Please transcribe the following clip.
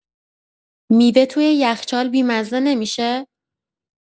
میوه توی یخچال بی‌مزه نمی‌شه؟